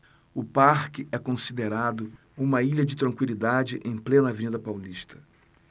o parque é considerado uma ilha de tranquilidade em plena avenida paulista